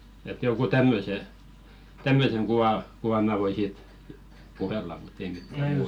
että jonkun tämmöisen tämmöisen kuvan kuvan minä voin siitä puhella mutta ei mitään muuta